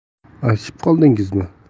aytishib qoldingizmi